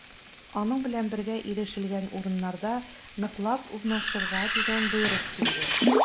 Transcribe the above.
Аның белән бергә ирешелгән урыннарда ныклап урнашырга дигән боерык килде.